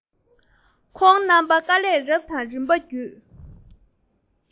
ཁོང རྣམ པས དཀའ ལས རབ དང རིམ པ བརྒྱུད